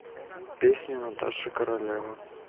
песни наташа королева